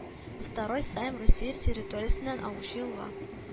Второй Сайм Русия территориясеннән агучы елга